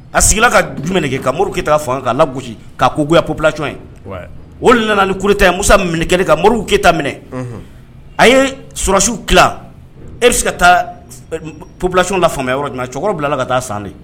A sigila ka du minɛ kɛ ka muru ke ta fan k'a la gosi ka' kouyanplajɔn ye o nana ni kuta musa minɛ kɛ ka mori keyita minɛ a ye susiw ki e bɛ se ka taa platiɔnda fanga yɔrɔ cɛkɔrɔba bilala ka taa san de